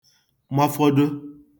mafọdo